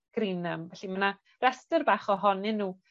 Greenham felly ma' 'na rhestyr bach ohonyn nw